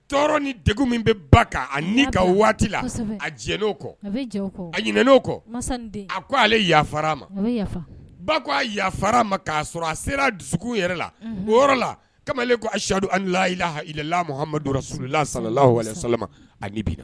Tɔɔrɔ ni de min bɛ ba kan ka waati la a jɛnɛ kɔ kɔ a ɲinin kɔ a ko ale yafafa a ma ba a yafafara ma k'a sɔrɔ a sera dusu yɛrɛ la o yɔrɔ la kamalen kodulahilahala mamadu sula sala sa aniina